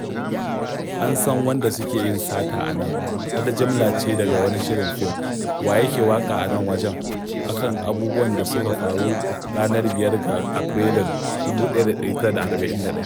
An san waɗanda suke son yin sata a nan! wata jimla ce daga wani shirin fim "Wa yake waƙa a nan wajen?" a kan abubuwan da suke faruwa ranar 5 ga Aprilun 1941.